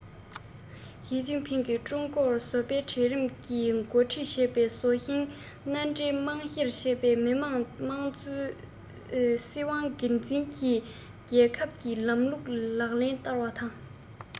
ཞིས ཅིན ཕིང གིས ཀྲུང གོར བཟོ པའི གྲལ རིམ གྱིས འགོ ཁྲིད བྱེད པ དང བཟོ ཞིང མནའ འབྲེལ རྨང གཞིར བྱས པའི མི དམངས དམངས གཙོའི སྲིད དབང སྒེར འཛིན གྱི རྒྱལ ཁབ ཀྱི ལམ ལུགས ལག ལེན བསྟར བ དང